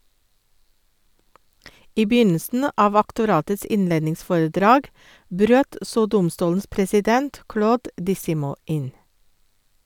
I begynnelsen av aktoratets innledningsforedrag brøt så domstolens president Claude Disimo inn.